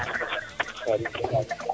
yare jam